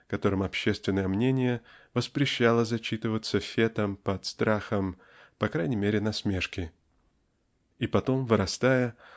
которым общественное мнение воспрещало зачитываться Фетом под страхом по крайней мере насмешки. И потом вырастая